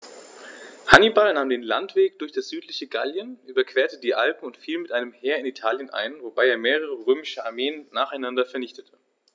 Hannibal nahm den Landweg durch das südliche Gallien, überquerte die Alpen und fiel mit einem Heer in Italien ein, wobei er mehrere römische Armeen nacheinander vernichtete.